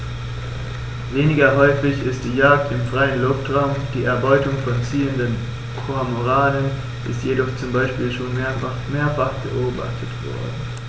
Weniger häufig ist die Jagd im freien Luftraum; die Erbeutung von ziehenden Kormoranen ist jedoch zum Beispiel schon mehrfach beobachtet worden.